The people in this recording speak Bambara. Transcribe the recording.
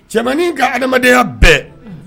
Cɛmannin ka adamadenya bɛɛ, unhun.